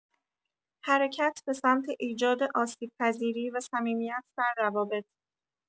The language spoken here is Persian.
حرکت به سمت ایجاد آسیب‌پذیری و صمیمیت در روابط